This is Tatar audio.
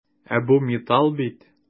Ә бу металл бит!